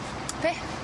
Be?